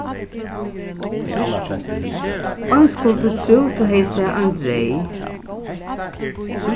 ein skuldi trúð tú hevði sæð ein dreyg